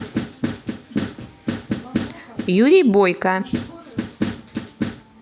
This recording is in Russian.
юрий бойко